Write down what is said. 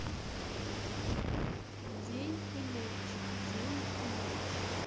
день и ночь день и ночь